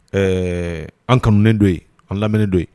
Ɛɛ an kanu don ye an lamɛn don yen